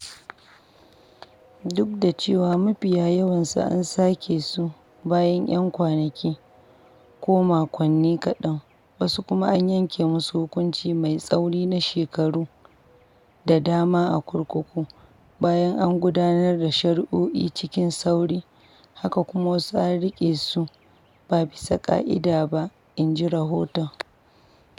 Duk da cewa mafiya yawansu an sake su bayan yan kwanaki ko makonni kadan, wasu kuma an yanke musu hukunci mai tsauri na shekaru da dama a kurkuku, bayan an gudanar da shari’o’in cikin sauri, haka kuma wasu an rike su ba bisa ka'ida ba. in ji rahoton.